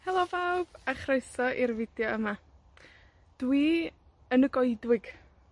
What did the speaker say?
Helo pawb, a chroeso i'r fideo yma. Dwi yn y goedwig.